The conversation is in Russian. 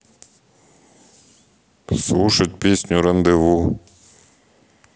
слушать песню рандеву